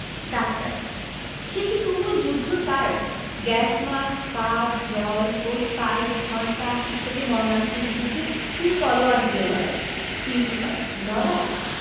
doctor সেকি তুমুল যুদ্ধ স্যার গ্যাস মাস্ক ফাঁদ জল হোস পাইপ ঘণ্টা ইত্যাদি মারণাস্ত্রের বিরুদ্ধে শুধু তলোয়ার দিয়ে লড়াই প্রিন্সিপাল লড়াই